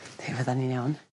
Fe fyddan ni'n iawn.